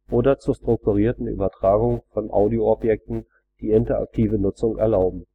oder zur strukturierten Übertragung von Audioobjekten, die interaktive Nutzung erlauben